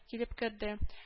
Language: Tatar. Килеп керде: